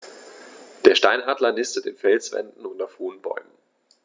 Der Steinadler nistet in Felswänden und auf hohen Bäumen.